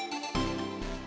em